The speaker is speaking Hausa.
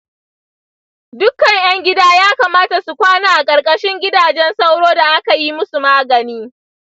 dukkan ‘yan gida ya kamata su kwana a ƙarƙashin gidajen sauro da aka yi musu magani.